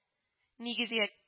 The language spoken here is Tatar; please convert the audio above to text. Нигезгә